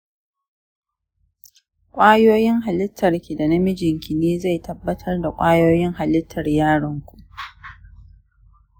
kwayoyin halittarki da na mijinki ne zai tabbatar da kwayoyin halittar yaron ku